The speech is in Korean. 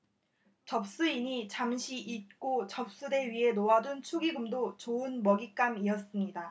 접수인이 잠시 잊고 접수대 위에 놓아둔 축의금도 좋은 먹잇감이었습니다